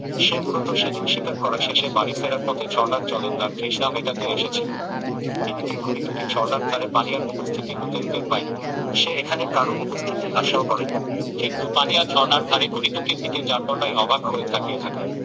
সে মূলত সেদিন শিকার করা শেষে বাড়ি ফেরার পথে ঝরনার জলে তার তৃষ্ণা মেটাতে এসেছিল এদিকে করিটুকি ঝরনার ধারে পানিয়ার উপস্থিতি মোটেও টের পায়নি সে এখানে কারও উপস্থিতি আশাও করেনি কিন্তু পানিয়া ঝরনার ধারে করিটুকির দিকে যারপরনাই অবাক হয়ে তাকিয়ে থাকে